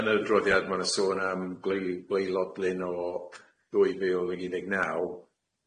yn y adroddiad ma' na sôn am gwle- wleilodlyn o ddwy fil ag un deg naw,